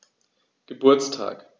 Geburtstag